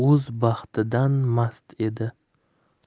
o'z baxtidan mast edi